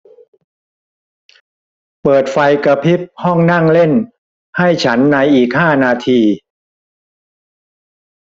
เปิดไฟกระพริบห้องนั่งเล่นให้ฉันในอีกห้านาที